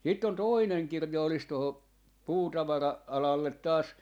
sitten on toinen kirja olisi tuohon - puutavara-alalle taas